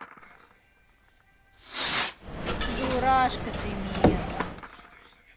дурашка ты мир